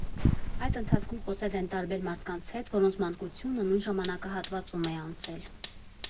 Այդ ընթացքում խոսել են տարբեր մարդկանց հետ, որոնց մանկությունը նույն ժամանակահատվածում է անցել։